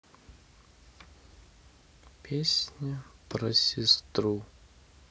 песня про сестру